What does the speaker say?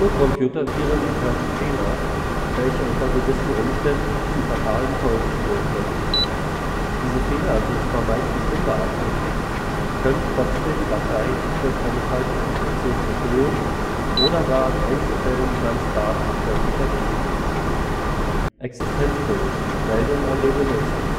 Computerviren enthalten Fehler, welche unter gewissen Umständen zu fatalen Folgen führen können. Diese Fehler sind zwar meistens unbeabsichtigt, können trotzdem Dateien durch eine falsche Infektion zerstören oder gar in Einzelfällen ganze Datenbestände vernichten. Ein HTML-Virus gibt sich dem Opfer zu erkennen. „ Existenzbericht “– Meldungen an den Benutzer